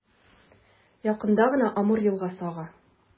Якында гына Амур елгасы ага.